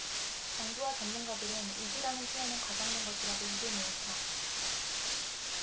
정부와 전문가들은 위기라는 표현은 과장된 것이라고 입을 모은다